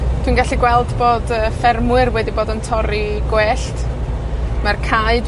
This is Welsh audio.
Dwi'n gallu gweld bod y ffermwyr wedi bod yn torri gwellt. Mae'r cae